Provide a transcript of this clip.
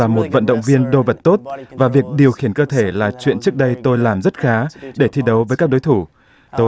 là một vận động viên đô vật tốt và việc điều khiển cơ thể là chuyện trước đây tôi làm rất khá để thi đấu với các đối thủ tôi